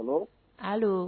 Hali